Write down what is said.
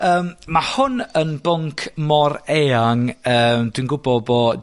Yym ma' hwn yn bwnc mor eang yym dwi'n gwbo bo'